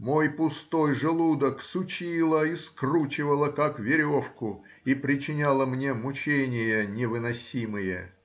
мой пустой желудок сучило и скручивало, как веревку, и причиняло мне мучения невыносимые.